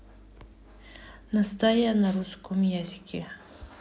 настя на русском языке